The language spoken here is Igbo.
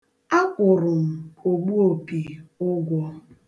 A kwụrụ m ogbuopi ụgwọ.